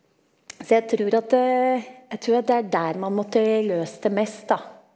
så jeg trur at jeg trur at det er der man måtte løst det mest da.